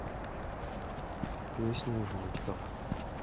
песни из мультиков